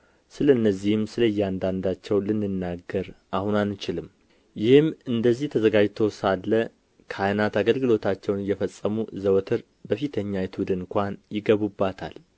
ስለ እነዚህም ስለ እያንዳንዳቸው ልንናገር አሁን አንችልም ይህም እንደዚህ ተዘጋጅቶ ሳለ ካህናት አገልግሎታቸውን እየፈጸሙ ዘወትር በፊተኛይቱ ድንኳን ይገቡባታል